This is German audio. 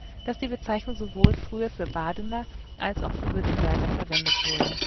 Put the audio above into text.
für Württemberger verwendet wurde